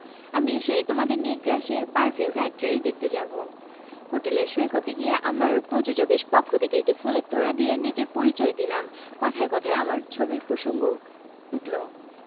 বিয়ের venue prince Harry ও মেগান মার্কেলের বিয়ে হবে উইন্ডসর ক্যাসেলের সেন্ট জর্জেস চ্যাপেলে এটি সেন্ট্রাল লন্ডন থেকে ২০ মাইল দূরে উইন্ডসর সবচেয়ে পুরোনো ও বড় একটি দুর্গ